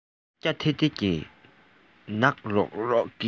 སྐྱ ཐེར ཐེར གྱི ནག རོག རོག གི